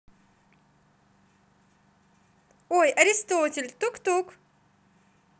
ой аристотель тук тук